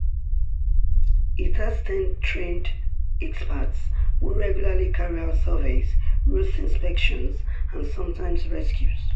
It has ten trained experts, who regularly carry out surveys, roost inspections and sometimes rescues.